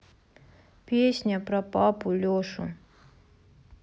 песня про папу лешу